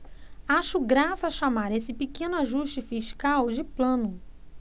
acho graça chamar esse pequeno ajuste fiscal de plano